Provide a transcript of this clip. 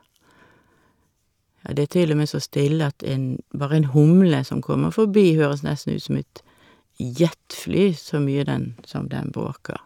Ja, det er til og med så stille at en bare en humle som kommer forbi, høres nesten ut som et jetfly så mye den som den bråker.